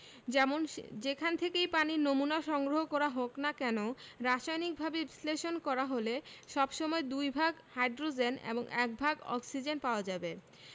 যেমন যেখান থেকেই পানির নমুনা সংগ্রহ করা হোক না কেন রাসায়নিকভাবে বিশ্লেষণ করা হলে সব সময় দুই ভাগ হাইড্রোজেন এবং এক ভাগ অক্সিজেন পাওয়া যাবে